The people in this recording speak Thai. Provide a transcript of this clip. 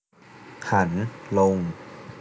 หันลง